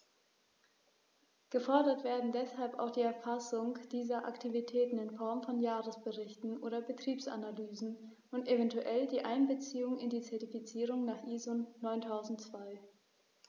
Gefordert werden deshalb auch die Erfassung dieser Aktivitäten in Form von Jahresberichten oder Betriebsanalysen und eventuell die Einbeziehung in die Zertifizierung nach ISO 9002.